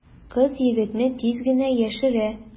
Кыз егетне тиз генә яшерә.